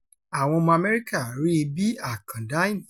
Àwọn ọmọ Amẹ́ríkà rí i bí àkàndá ènìyàn.